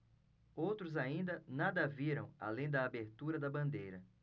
outros ainda nada viram além da abertura da bandeira